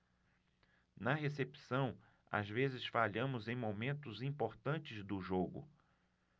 na recepção às vezes falhamos em momentos importantes do jogo